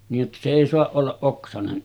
niin jotta se ei saa olla oksainen